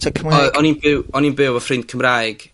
...t'od' Cymraeg? O- o'n i'n byw, o'n i'n byw efo ffrind Cymraeg...